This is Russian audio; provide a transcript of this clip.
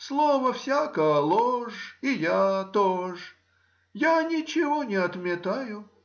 — слово всяко ложь, и я тож. Я ничего не отметаю